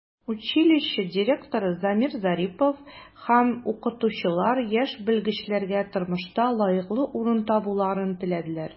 Училище директоры Замир Зарипов һәм укытучылар яшь белгечләргә тормышта лаеклы урын табуларын теләделәр.